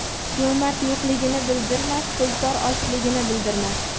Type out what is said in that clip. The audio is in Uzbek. jo'mard yo'qligini bildirmas tulpor ochligini bildirmas